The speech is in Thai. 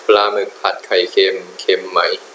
ปลาหมึกผัดไข่เค็มเค็มไหม